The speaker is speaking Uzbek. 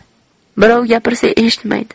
birov gapirsa eshitmaydi